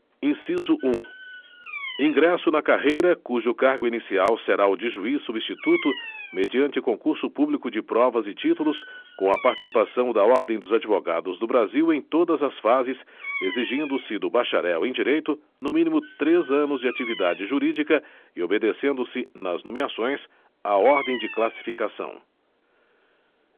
inciso um ingresso na carreira cujo cargo inicial será o de juiz substituto mediante concurso público de provas e títulos com a participação da ordem dos advogados do brasil em todas as fases exigindo se do bacharel em direito no mínimo três anos de atividade jurídica e obedecendo se nas nomeações à ordem de classificação